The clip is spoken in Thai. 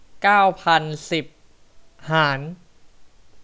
เก้าพันสิบหาร